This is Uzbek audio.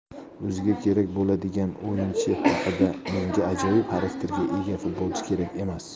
o'ziga kerak bo'ladigan o'yinchi haqidamenga ajoyib xarakterga ega futbolchi kerak emas